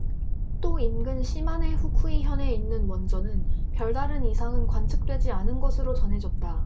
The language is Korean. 또 인근 시마네 후쿠이현에 있는 원전은 별다른 이상은 관측되지 않은 것으로 전해졌다